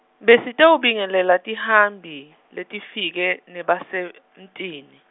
Besitewubingelela tihambi , letifike nebasemtini.